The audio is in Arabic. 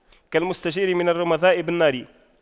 كالمستجير من الرمضاء بالنار